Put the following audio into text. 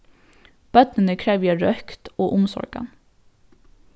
børnini krevja røkt og umsorgan